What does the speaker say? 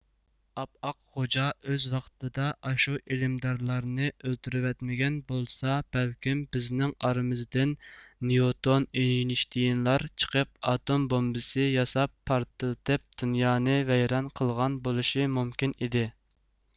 ئاپئاق غوجا ئۆز ۋاقتىدا ئاشۇ ئىلىمدارلارنى ئۆلتۈرىۋەتمىگەن بولسا بەلكىم بىزنىڭ ئارىمىزدىن نىيوتون ئېينىشتىيىنلار چىقىپ ئاتوم بومبىسى ياساپ پارتلىتىپ دۇنيانى ۋەيران قىلغان بولۇشى مۇمكىن ئىدى